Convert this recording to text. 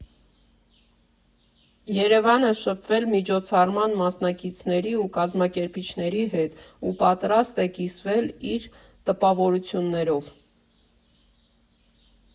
ԵՐԵՎԱՆը շփվել միջոցառման մասնակիցների ու կազմակերպիչների հետ, ու պատրաստ է կիսվել իր տպավորություններով։